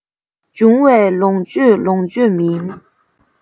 བྱུང བའི ལོངས སྤྱོད ལོངས སྤྱོད མིན